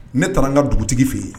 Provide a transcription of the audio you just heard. Ne taara n ka dugutigi fɛ yen